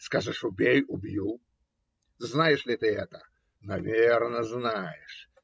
Скажешь: убей - убью. Знаешь ли ты это? Наверно, знаешь.